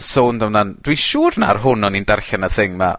dwi'n siŵr ma' ar hwn o'n i'n darllen y thing 'ma...